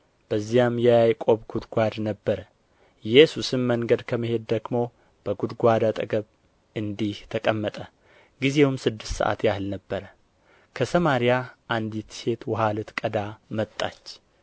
በዚያም የያዕቆብ ጕድጓድ ነበረ ኢየሱስም መንገድ ከመሄድ ደክሞ በጕድጓድ አጠገብ እንዲህ ተቀመጠ ጊዜውም ስድስት ሰዓት ያህል ነበረ ከሰማርያ አንዲት ሴት ውኃ ልትቀዳ መጣች